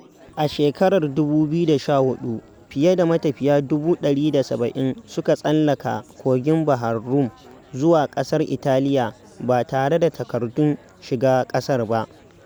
A shekarar 2014, fiye da matafiya 170,000 suka tsallaka ta Kogin Bahar Rum zuwa ƙasar Italiya ba tare da takardun shiga ƙasar ba.